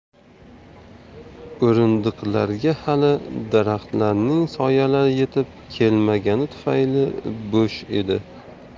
o'rindiqlarga hali daraxtlarning soyalari yetib kelmagani tufayli bo'sh edi